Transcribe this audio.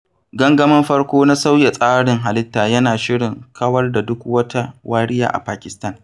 Gangamin farkon na sauya tsarin halitta yana shirin kawar da duk wata wariya a Pakistan